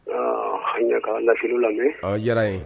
Aa, an y'a ka laseliw lamɛn, o diyara an ye